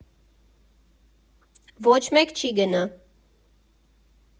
Ոչ մեկ չի գնա։